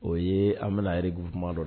O ye an bɛna yɛrɛ gu kumamaadɔ